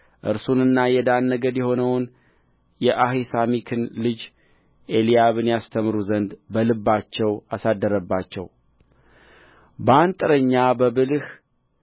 እርሱና የዳን ነገድ የሆነው የአሂሳሚክ ልጅ ኤልያብ ያስተምሩ ዘንድ በልባቸው አሳደረባቸው በአንጥረኛ በብልህ